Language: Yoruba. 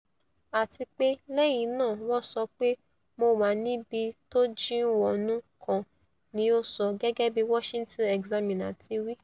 Àtipé lẹ́yìn náà wọn sọ pé Mo wà níbi tójìnwọnú kan, ní ó sọ, gẹ́gẹ́bí Washington Examiner ti wí.